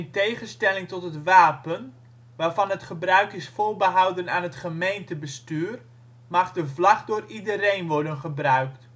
tegenstelling tot het wapen, waarvan het gebruik is voorbehouden aan het gemeentebestuur, mag de vlag door iedereen worden gebruikt